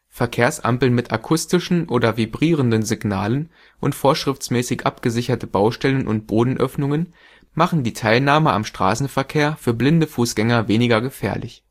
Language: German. Verkehrsampeln mit akustischen oder vibrierenden Signalen und vorschriftsmäßig abgesicherte Baustellen und Bodenöffnungen machen die Teilnahme am Straßenverkehr für blinde Fußgänger weniger gefährlich